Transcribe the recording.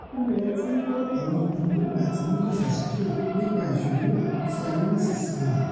Kínni a ti ńkọ́ àwọn ọkùnrin nígbà tí wọ́n ńdàgbàsókè, nípa ì̀ṣòró nàà tí a rí nísinsìnyí?'